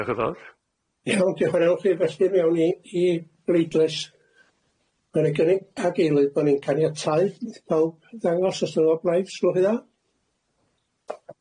Iawn diolch yn fawr. Iawn diolch yn fawr i chi felly fe awn ni i bleidlais nai gynnig bo' ni'n caniatáu pawb ddangos os ydyn nw o blaid os gwelwch chi dda?